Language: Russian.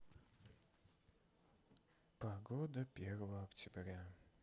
погода первого октября